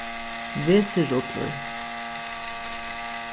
vesirullur